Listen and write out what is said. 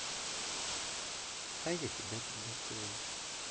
а я тебя приготовлю